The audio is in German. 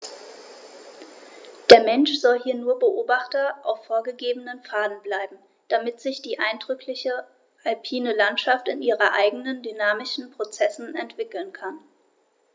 Der Mensch soll hier nur Beobachter auf vorgegebenen Pfaden bleiben, damit sich die eindrückliche alpine Landschaft in ihren eigenen dynamischen Prozessen entwickeln kann.